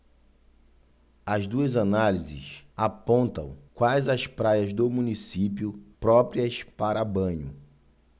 as duas análises apontam quais as praias do município próprias para banho